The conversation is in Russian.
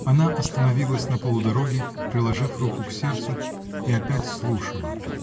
Она остановилась на полудороге, приложив руку к сердцу, и опять слушала.